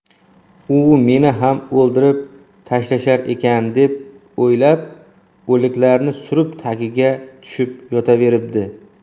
u meni ham o'ldirib tashlashar ekan da deb o'ylab o'liklarni surib tagiga tushib yotaveribdi